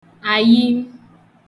àyim